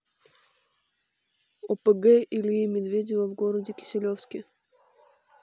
опг ильи медведева в городе киселевске